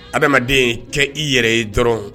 Adama adamaden kɛ i yɛrɛ ye dɔrɔn